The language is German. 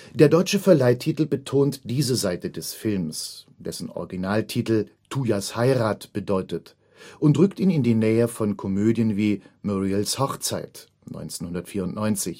Der deutsche Verleihtitel betont diese Seite des Films, dessen Originaltitel „ Tuyas Heirat “bedeutet, und rückt ihn in die Nähe von Komödien wie Muriels Hochzeit (1994